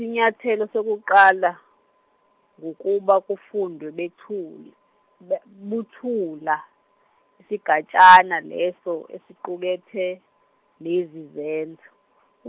-sinyathelo sokuqala, ngukuba kufundwe bethule be- buthula isigatshana leso esiqukethe lezi zenzo .